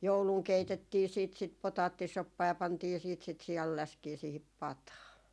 jouluna keitettiin sitten sitä potaattisoppaa ja pantiin sitten sitä sianläskiä siihen pataan